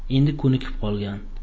endi kunikib qolgan